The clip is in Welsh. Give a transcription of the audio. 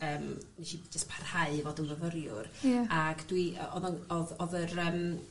yym nesh i jys parhau i fod yn fyfyriwr. Ia. Ag dwi o- o'dd o'n o'dd o'dd yr yym